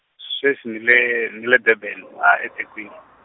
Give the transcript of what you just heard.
se sweswi ni le, ni le Durban a e Thekwini.